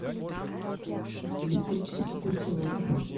электрический культиватор